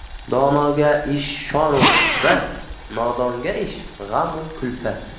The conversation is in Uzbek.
donoga ish shon u shuhrat nodonga ish g'am u kulfat